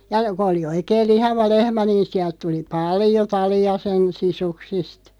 ja kun oli oikein lihava lehmä niin sieltä tuli paljon talia sen sisuksista